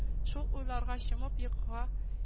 Шул уйларга чумып йокыга